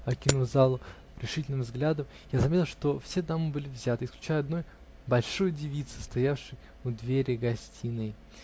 Окинув залу решительным взглядом, я заметил, что все дамы были взяты, исключая одной большой девицы, стоявшей у двери гостиной.